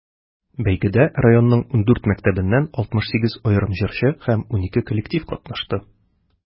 Бәйгедә районның 14 мәктәбеннән 68 аерым җырчы һәм 12 коллектив катнашты.